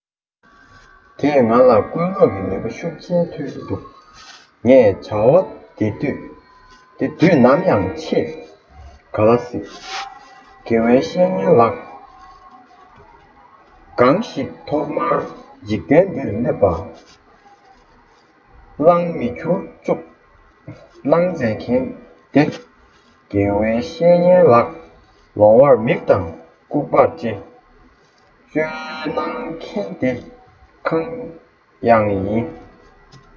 དེས ང ལ སྐུལ སློང གི ནུས པ ཤུགས ཆེན ཐོན གྱི འདུག ངས བྱ བ དེ དུས ནམ ཡང བརྗེད ག ལ སྲིད དགེ བའི བཤེས གཉེན ལགས གང ཞིག ཐོག མར འཇིག རྟེན འདིར སླེབས བ གླང མི ཁྱུར བཅུག གནང མཛད མཁན དེ དགེ བའི བཤེས གཉེན ལགས ལོང བར མིག དང ལྐུགས པར ལྕེ བསྩོལ གནང མཁན དེ ཡང ཁྱེད ཡིན